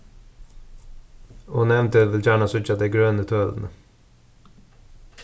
og nevndin vil gjarna síggja tey grønu tølini